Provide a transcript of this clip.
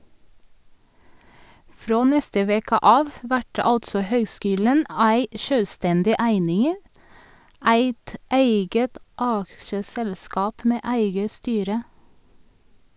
Frå neste veke av vert altså høgskulen ei sjølvstendig eining, eit eige aksjeselskap med eige styre.